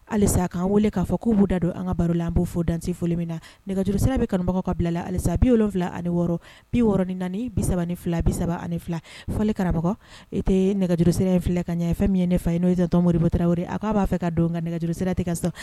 Halisa a ka kan wele k'a k'u'u da don an baro la an b' fo dan foli min na nɛgɛjurusira bɛ karamɔgɔbagaw ka bilala halisa bi wolonwula ani wɔɔrɔ bi wɔɔrɔ ni naani bi ni fila bisa ani fɔli kara e tɛ nɛgɛjrosira in fila ka ɲɛ ye fɛn min ye ne fa ye n'ose dɔnmoɔri bɔ tarawele a'a b'a fɛ ka don ka nɛgɛjurusira tɛ ka so